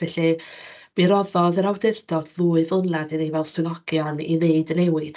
Felly, mi roddodd yr awdurdod ddwy flynedd i ni fel swyddogion i wneud y newid.